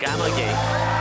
cám ơn chị